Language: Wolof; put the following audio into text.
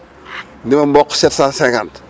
ni ma mboq 750